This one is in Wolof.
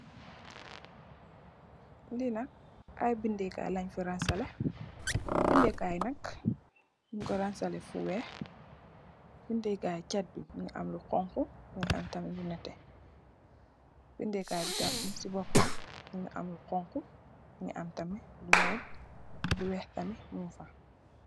Li nak ay bindé kay len fi ranseleh, bindé kay yi nak ñing ko ranseleh fu wèèx, bindé kay cet yi ñu ngi am lu xonxu mugii am tamit lu netteh . Bindé kay bi tam ci bópam mugii am lu xonxu mugii am lu ñuul lu wèèx tamit mung fa.